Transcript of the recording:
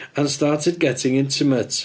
And started getting intimate